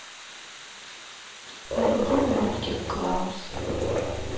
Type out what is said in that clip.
найди мультик клаус